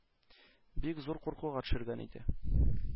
Бик зур куркуга төшергән иде.